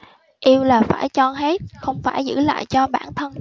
yêu là phải cho hết không phải giữ lại cho bản thân